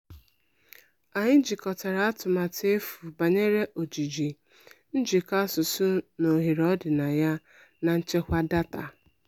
Anyị jikọtara Atụmatụ Efu banyere ojiji, njikọ, asụsụ, na ohere, ọdịnaya, na nchekwa data.